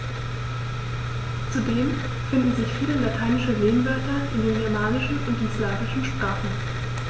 Zudem finden sich viele lateinische Lehnwörter in den germanischen und den slawischen Sprachen.